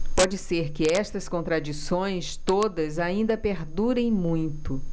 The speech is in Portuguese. pode ser que estas contradições todas ainda perdurem muito